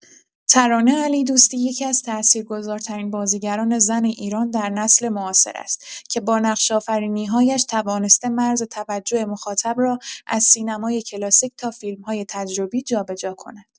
ترانه علیدوستی یکی‌از تأثیرگذارترین بازیگران زن ایران در نسل معاصر است که با نقش‌آفرینی‌هایش توانسته مرز توجه مخاطب را از سینمای کلاسیک تا فیلم‌های تجربی جابه‌جا کند.